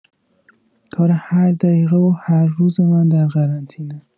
کار هر دقیقه و هر روز من در قرنطینه